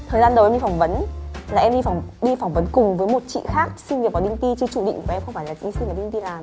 thời gian đấy đi phỏng vấn là em đi phỏng đi phỏng vấn cùng với một chị khác xin việc vào đinh ti chứ chủ định của em không phải đi xin vào đinh ti làm